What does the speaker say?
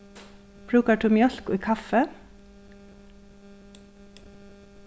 brúkar tú mjólk í kaffið